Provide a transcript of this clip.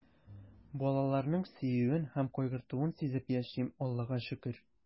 Балаларның сөюен һәм кайгыртуын сизеп яшим, Аллага шөкер.